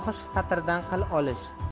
patirdan qil olish